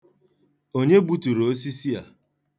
Onye gbuturu osisi a?